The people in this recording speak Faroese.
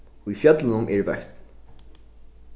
í fjøllunum eru vøtn